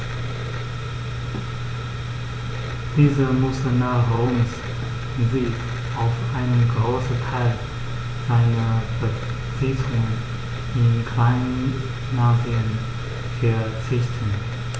Dieser musste nach Roms Sieg auf einen Großteil seiner Besitzungen in Kleinasien verzichten.